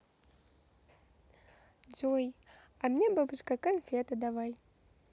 джой а мне бабушка конфета давай